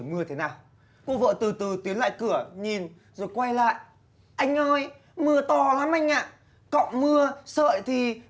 mưa thế nào cô vợ từ từ tiến lại cửa nhìn rồi quay lại anh ơi mưa to lắm anh ạ cọng mưa sợi thì